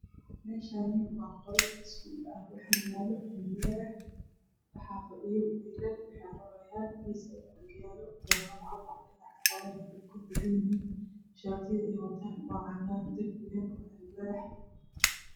Meeshaani waa qol iskuul waxaa yaalo alwaax wax ayey qorayan miis ayaa ag yaalo warqado cad cad ayey ku qorayan shaatiayda ay wataan waa cadaan darbiga waa alwaax